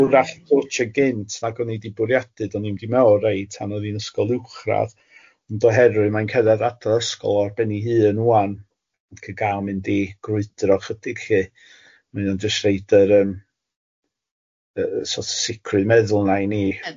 Wrach dwtch yn gynt nag o'n i wedi bwriadu, do'n i'm di meddwl reit, tan oedd hi'n ysgol uwchradd, ond oherwydd mae'n cerdded at yr ysgol ar ben ei hun ŵan, ac yn cael mynd i grwydro ychydig lly, mae o'n jyst roid yr yym yy sort of sicrwydd meddwl na i ni... Yndi